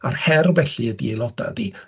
A'r her felly ydy i aelodau ydy...